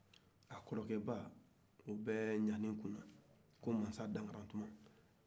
a kɔrɔkɛba o bɛ ɲani kunna ko masa dankarantuma